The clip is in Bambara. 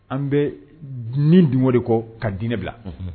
An bɛ min dun o de kɔ ka diinɛ bila